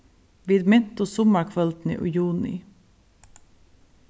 vit mintust summarkvøldini í juni